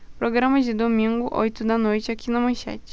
programa de domingo oito da noite aqui na manchete